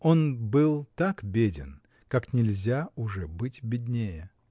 Он был так беден, как нельзя уже быть беднее.